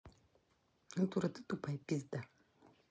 natura ты тупая пизда